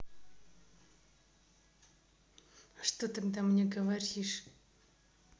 а что тогда мне говоришь